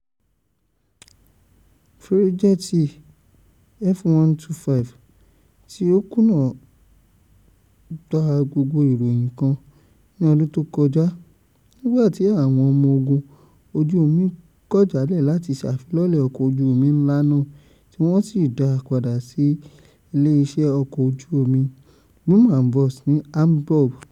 Fírígèètì F125 tí ó kùnà náà gba gogbo ìròyìn kan ní ọdún tó kọjá, nígbàtí Àwọn ọmọ ogun ojú omi kọ̀ jàlẹ̀ láti ṣafilọlẹ̀ ọkọ̀ ojú omi ńlá náà tí wọ́n sì dá a padà sí ìlé iṣẹ́ ọkọ̀ ojú omi Blohm & Voss ní Hamburb.